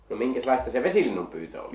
no minkäslaista se vesilinnun pyytö oli